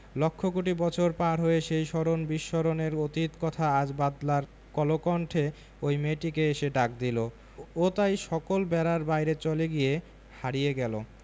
লক্ষ কোটি বছর পার হয়ে সেই স্মরণ বিস্মরণের অতীত কথা আজ বাদলার কলকণ্ঠে ঐ মেয়েটিকে এসে ডাক দিলে ও তাই সকল বেড়ার বাইরে চলে গিয়ে হারিয়ে গেল